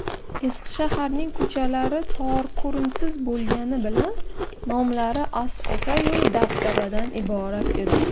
eski shaharning ko'chalari tor ko'rimsiz bo'lgani bilan nomlari as'asa yu dabdabadan iborat edi